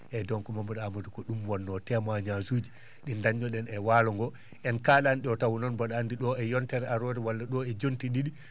eeyi donc Mamadou Amadou ko ?um wonno témoignage uji ?i dañno?en e waalo ngo en kaa?aani ?o taw noon mbi?a anndi ?o e yontere aroore walla o e jonte ?i?i